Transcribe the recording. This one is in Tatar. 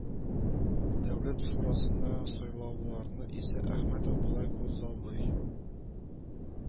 Дәүләт шурасына сайлауларны исә Әхмәтов болай күзаллый